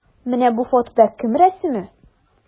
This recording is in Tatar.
Менә бу фотода кем рәсеме?